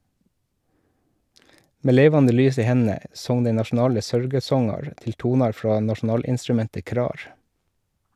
Med levande lys i hendene song dei nasjonale sørgesongar til tonar frå nasjonalinstrumentet krar.